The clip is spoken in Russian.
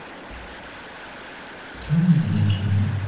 кто у меня день рождения